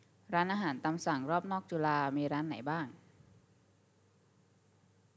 ร้านอาหารตามสั่งรอบนอกจุฬามีร้านไหนบ้าง